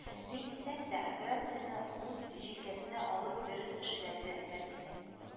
Ни дисәң дә, операңияне үз җилкәсенә алып дөрес эшләде Мәрсинә